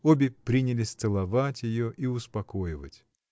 Обе принялись целовать ее и успокоивать.